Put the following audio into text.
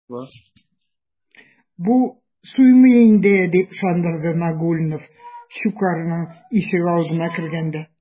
Бу суймый инде, - дип ышандырды Нагульнов Щукарьның ишегалдына кергәндә.